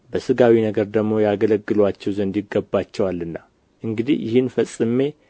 በሥጋዊ ነገር ደግሞ ያገለግሉአቸው ዘንድ ይገባቸዋልና እንግዲህ ይህን ፈጽሜ